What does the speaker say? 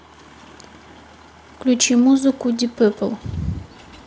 включи музыку дипепл